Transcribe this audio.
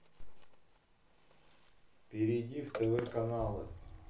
перейди в тв каналы